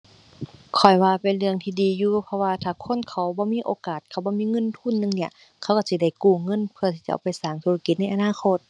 ข้อยว่าเป็นเรื่องที่ดีอยู่ เพราะว่าถ้าคนเขาบ่มีโอกาส เขาบ่มีเงินทุนอย่างเนี้ย เขาก็สิได้กู้เงินเพื่อที่จะเอาไปสร้างธุรกิจในอนาคต